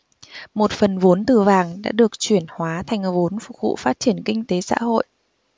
một phần vốn từ vàng đã được chuyển hóa thành vốn phục vụ phát triển kinh tế xã hội